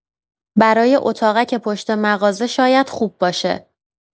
برای اتاقک پشت مغازه شاید خوب باشه.